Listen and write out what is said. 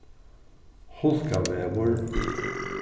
hulkavegur